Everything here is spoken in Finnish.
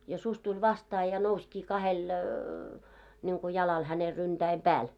ja susi tuli vastaan ja nousikin kahdelle niin kuin jalalle hänen ryntäiden päälle